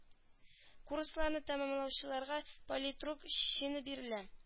Курсларны тәмамлаучыларга политрук чины бирелә